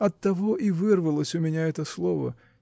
Оттого и вырвалось у меня это слово